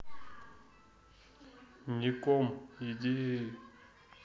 ником идеи